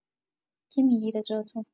کی می‌گیره جاتو؟